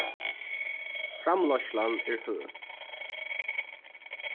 framleiðslan er høg